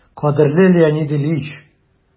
«кадерле леонид ильич!»